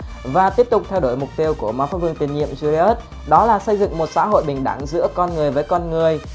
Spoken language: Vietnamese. và tiếp tục theo đuổi mục tiêu của mvp tiền nhiệm julius đó là xây dựng xã hội bình đẳng giữa con người với con người